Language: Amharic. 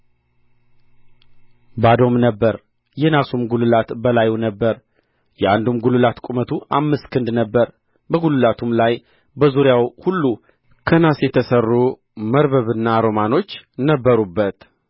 ባዶም ነበረ የናሱም ጕልላት በላዩ ነበረ የአንዱም ጉልላት ቁመት አምስት ክንድ ነበረ በጕልላቱም ላይ በዙሪያው ሁሉ ከናስ የተሠሩ መረበብና ሮማኖች ነበሩበት